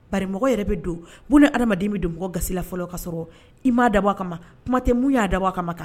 Bamɔgɔ yɛrɛ bɛ don' ni adamadamaden bɛ don mɔgɔ gasi la fɔlɔ ka sɔrɔ i m ma dawa a kama ma kuma tɛ mun y'a dabɔwa a kama ma kan